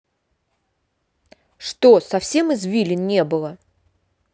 что совсем извилин не было